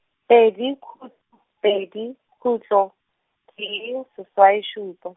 pedi khutl-, pedi khutlo, tee, seswai šupa.